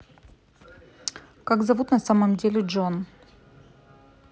как зовут на самом деле джон